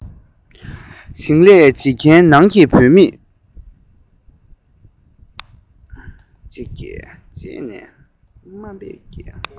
ཞིང ལས བྱེད མཁན ནང གི བུ མེད